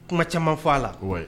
Kuma caman fɔ a la